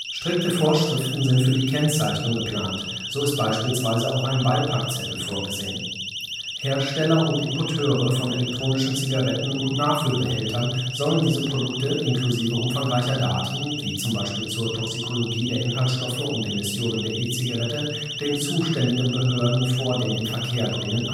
Strikte Vorschriften sind für die Kennzeichnung geplant, so ist beispielsweise auch ein Beipackzettel vorgesehen. Hersteller und Importeure von elektronischen Zigaretten und Nachfüllbehältern sollen die Produkte (inklusive umfangreicher Daten, u.a. zu Toxikologie der Inhaltsstoffe und Emissionen der E-Zigarette) den zuständigen Behörden vor dem Inverkehrbringen